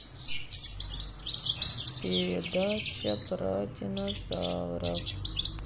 передача про динозавров